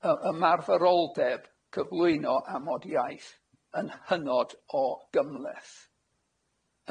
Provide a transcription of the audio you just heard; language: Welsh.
yym ymarferoldeb cyflwyno amod iaith yn hynod o gymhleth.